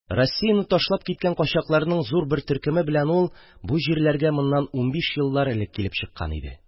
Россияне ташлап киткән качакларның зур бер төркеме белән ул бу җирләргә моннан унбиш еллар элек килеп чыккан иде.